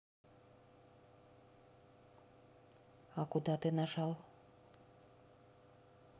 а куда ты нажал